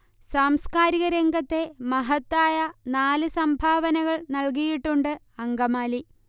സാംസ്കാരിക രംഗത്തെ മഹത്തായ നാല് സംഭാവനകൾ നൽകിയിട്ടുണ്ട് അങ്കമാലി